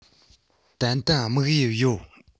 ཏན ཏན དམིགས ཡུལ ཡོད